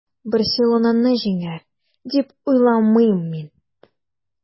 “барселона”ны җиңәр, дип уйламыйм мин.